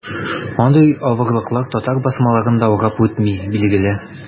Андый авырлыклар татар басмаларын да урап үтми, билгеле.